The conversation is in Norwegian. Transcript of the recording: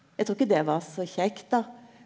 eg trur ikkje det var så kjekt då.